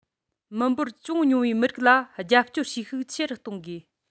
མི འབོར ཅུང ཉུང བའི མི རིགས ལ རྒྱབ སྐྱོར བྱེད ཤུགས ཆེ རུ གཏོང དགོས